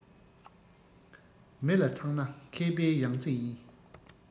མི ལ ཚང ན མཁས པའི ཡང རྩེ ཡིན